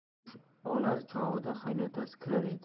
kumush o'lar chog'ida qaynotasi kirar edi